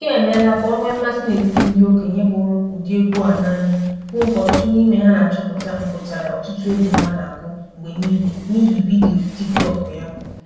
Nke a emeela ka o nwee mmasị n'etiti ndị okenye hụrụ ụdị egwu a n'anya, bụ nke ọtụtụ n'ime ha na-achọpụta mpụtara ọtụtụ egwu ha na-agụ mgbe niile n'ịhị vidiyo TikTok ya.